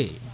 ey